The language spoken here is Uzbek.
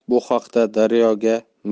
bu haqda daryo ga